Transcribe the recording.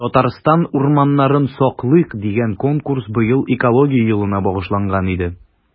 “татарстан урманнарын саклыйк!” дигән конкурс быел экология елына багышланган иде.